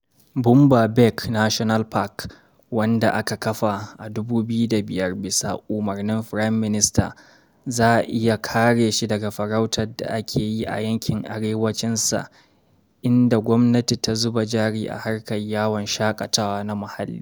Boumba Bek National Park, wanda aka kafa a 2005 bisa umarnin Firayim Minista. Za a iya kare shi daga farautar da ake yi a yankin arewacin sa idan gwamnati ta zuba jari a harkar yawon shaƙatawa na muhalli.